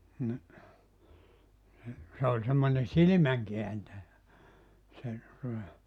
niin niin se oli semmoinen silmänkääntäjä se tuota